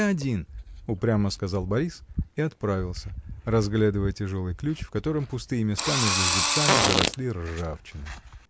я один, — упрямо сказал Борис и отправился, разглядывая тяжелый ключ, в котором пустые места между зубцами заросли ржавчиной.